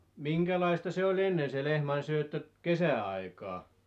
minkälaista se oli ennen se lehmän syöttö kesäaikaan